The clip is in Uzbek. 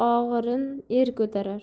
el og'irin er ko'tarar